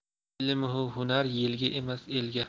ilm u hunar yelga emas elga